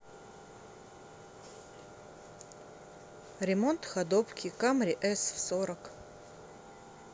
ремонт ходовки камри с в сорок